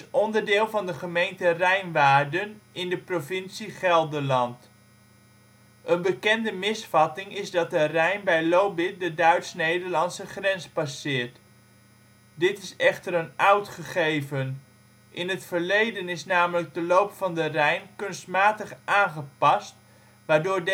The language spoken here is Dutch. onderdeel van de gemeente Rijnwaarden in de provincie Gelderland. Een bekende misvatting is dat de Rijn bij Lobith de Duits-Nederlandse grens passeert. Dit is echter een oud gegeven. In het verleden is namelijk de loop van de Rijn kunstmatig aangepast, waardoor